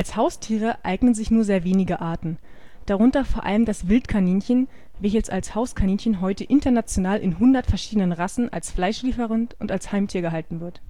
Haustiere eignen sich nur sehr wenige Arten, darunter vor allem das Wildkaninchen, welches als Hauskaninchen heute international in hunderten verschiedener Rassen als Fleischlieferant und als Heimtier gehalten wird